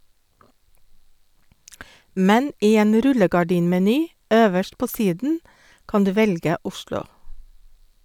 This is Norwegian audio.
Men i en rullegardinmeny øverst på siden kan du velge Oslo.